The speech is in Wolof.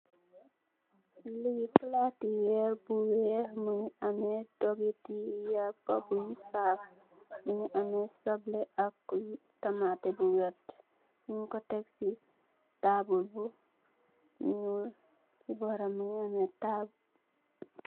Lee palate werr bu weex muge ameh dogete yapa bun saff muge ameh suble ak tamate bu werte nugku tek se taabul bu nuul se boram muge ameh taa.